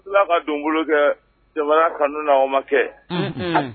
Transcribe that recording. Tila ka donkolokɛ jamana kanu na o ma kɛ